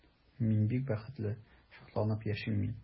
Мин бик бәхетле, шатланып яшим мин.